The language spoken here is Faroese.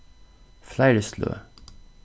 fleiri sløg